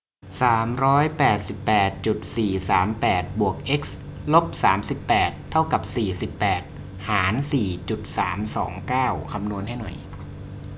สามร้อยแปดสิบแปดจุดสี่สามแปดบวกเอ็กซ์ลบสามสิบแปดเท่ากับสี่สิบแปดหารสี่จุดสามสองเก้าคำนวณให้หน่อย